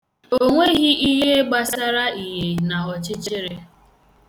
Onweghị ihe gbasara ihe na ọchịchịrị